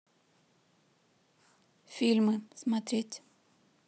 фильмы смотреть